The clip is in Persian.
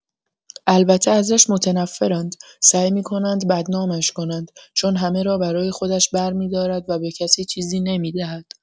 البته ازش متنفرند، سعی می‌کنند بدنامش کنند، چون همه را برای خودش برمی‌دارد و به کسی چیزی نمی‌دهد.